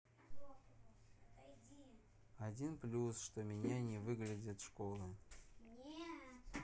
один плюс что меня не выглядят школы